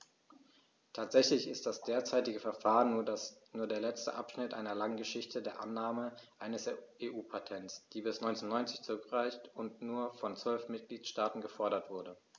Tatsächlich ist das derzeitige Verfahren nur der letzte Abschnitt einer langen Geschichte der Annahme eines EU-Patents, die bis 1990 zurückreicht und nur von zwölf Mitgliedstaaten gefordert wurde.